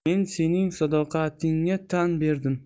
men sening sadoqatingga tan berdim